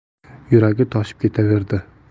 yuragi toshib ketaverdi